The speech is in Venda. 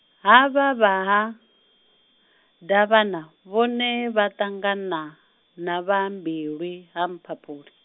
ha vha vha Ha Davhana, vhone vha ṱangana, na vha Mbilwi, Ha Mphaphuli.